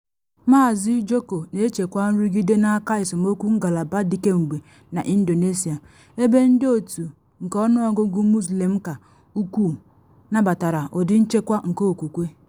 Maazị Joko na echekwa nrụgide n’aka esemokwu ngalaba dị kemgbe na Indonesia, ebe ndị otu nke ọnụọgụgụ Muslim ka ukwuu nabatara ụdị nchekwa nke okwukwe.